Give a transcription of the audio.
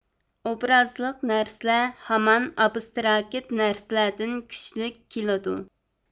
ئوبرازلىق نەرسىلەر ھامان ئابستراكت نەرسىلەردىن كۈچلۈك كېلىدۇ